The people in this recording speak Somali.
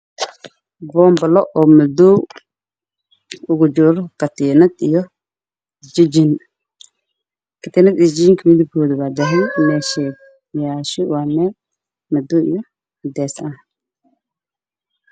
Boombal madow ugu jiro katiinad iyo dhgo